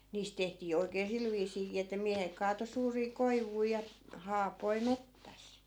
niistä tehtiin oikein sillä viisiinkin että miehet kaatoi suuria koivuja ja haapoja metsässä